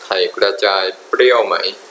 ไข่กระจายเปรี้ยวไหม